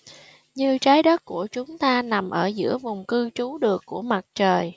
như trái đất của chúng ta nằm ở giữa vùng cư trú được của mặt trời